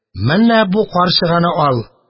Менә бу карчыганы ал.